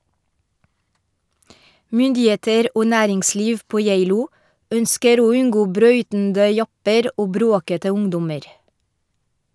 Myndigheter og næringsliv på Geilo ønsker å unngå brautende japper og bråkete ungdommer.